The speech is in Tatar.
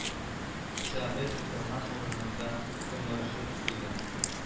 Сәгыйть утырган урынында кымырҗып куйды